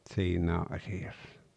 siinä asiassa